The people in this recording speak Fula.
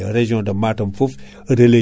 tawa ɗum kam koko ilata